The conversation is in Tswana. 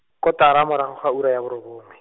kotara morago ga ura ya bo robonngwe.